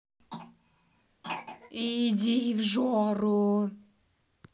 иди в жору